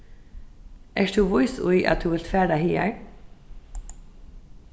ert tú vís í at tú vilt fara hagar